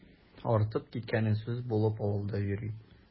Артып киткәне сүз булып авылда йөри.